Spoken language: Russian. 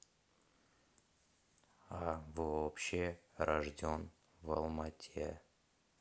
а вообще рожден в алмате